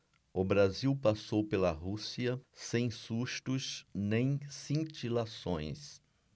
o brasil passou pela rússia sem sustos nem cintilações